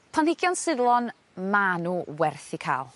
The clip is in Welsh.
Planhigion Suddlon, ma' n'w werth 'u ca'l.